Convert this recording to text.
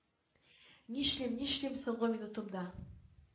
Нишлим, нишлим, соңгы минутымда